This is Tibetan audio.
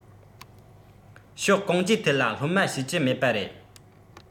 ཕྱོགས གང ཅིའི ཐད ལ སློབ མ ཤེས ཀྱི མེད པ རེད